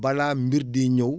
balaa mbir di ñëw